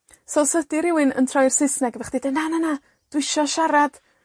So os ydi rywun yn troi i'r Saesneg efo chdi deu na na na, dwisio siarad